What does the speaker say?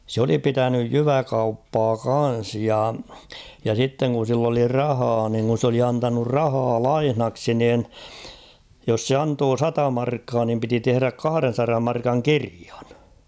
se oli pitänyt jyväkauppaa kanssa ja ja sitten kun sillä oli rahaa niin kun se oli antanut rahaa lainaksi niin jos se antoi sata markkaa niin piti tehdä kahdensadan markan kirjan